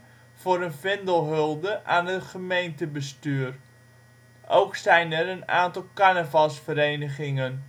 voor een vendelhulde aan het gemeentebestuur. Ook zijn er een aantal carnavalsverenigingen